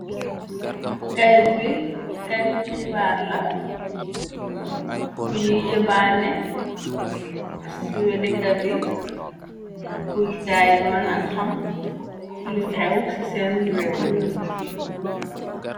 Kayt bi kayt tu xibaar la buñuy yebaane striyo dekka bi pur gaay mëna xam lu xew ci seen réew bi.